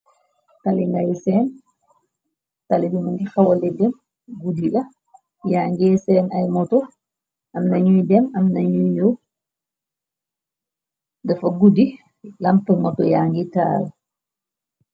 Tali ngayu seen, talibuna ngi xawale dem, guddi la, yaa ngi seen ay moto, am nañuy dem am nañuyu, dafa guddi, lampa moto yaa ngi taal.